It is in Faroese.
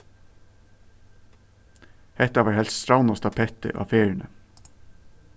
hetta var helst strævnasta pettið á ferðini